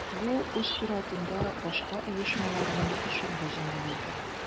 Бу үз чиратында башка оешмаларның эшен дә җиңеләйтә.